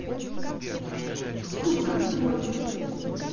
ступор входит